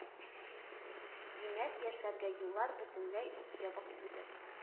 Димәк, яшьләргә юллар бөтенләй үк ябык түгел